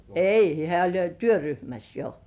ei hän oli jo työryhmässä jo